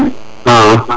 axa